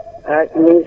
maa ngi sant